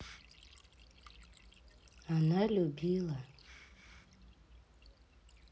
она любила